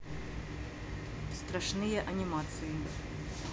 страшные анимации